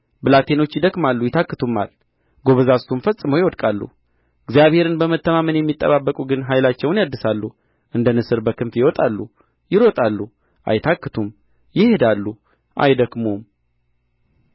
ብላቴኖች ይደክማሉ ይታክቱማል ጐበዛዝቱም ፈጽሞ ይወድቃሉ እግዚአብሔርን በመተማመን የሚጠባበቁ ግን ኃይላቸውን ያድሳሉ እንደ ንስር በክንፍ ይወጣሉ ይሮጣሉ አይታክቱም ይሄዳሉ አይደክሙም